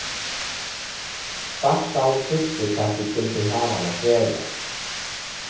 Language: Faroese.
bartal skilti hvat vit vildu hava hann at gera